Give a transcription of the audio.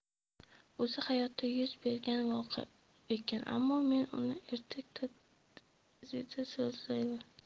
o'zi hayotda yuz bergan voqea ekan ammo men uni ertak tarzida so'zlayman